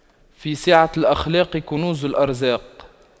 في سعة الأخلاق كنوز الأرزاق